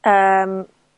yym,